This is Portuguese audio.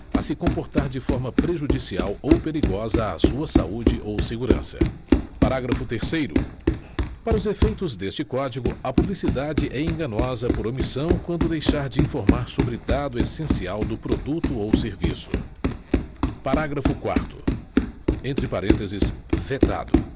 a se comportar de forma prejudicial ou perigosa à sua saúde ou segurança parágrafo terceiro para os efeitos deste código a publicidade é enganosa por omissão quando deixar de informar sobre dado essencial do produto ou serviço parágrafo quarto entre parênteses vetado